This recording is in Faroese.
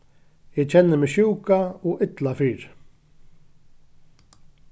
eg kenni meg sjúka og illa fyri